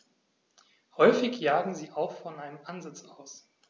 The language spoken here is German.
Häufig jagen sie auch von einem Ansitz aus.